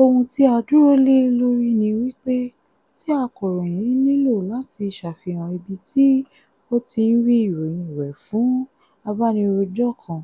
"Ohun tí a dúró lé lórí ni wípé tí akọ̀ròyìn nílò láti sàfihàn ibi tí ó tí ń rí ìròyìn rẹ fún abánirojọ́ kan,